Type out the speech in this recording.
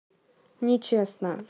нечестно